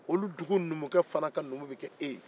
olu dugu numukɛ fana ka numu bɛ kɛ e ye